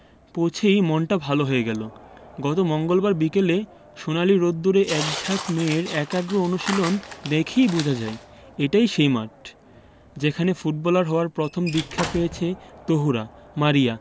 পৌঁছেই মনটা ভালো হয়ে গেল গত মঙ্গলবার বিকেলে সোনালি রোদ্দুরে একঝাঁক মেয়ের একাগ্র অনুশীলন দেখেই বোঝা যায় এটাই সেই মাঠ যেখানে ফুটবলার হওয়ার প্রথম দীক্ষা পেয়েছে তহুরা মারিয়া